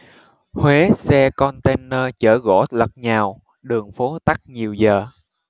huế xe container chở gỗ lật nhào đường phố tắc nhiều giờ